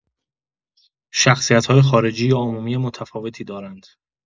شخصیت‌های خارجی یا عمومی متفاوتی دارند.